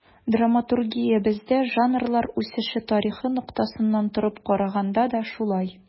Драматургиябездә жанрлар үсеше тарихы ноктасынан торып караганда да шулай.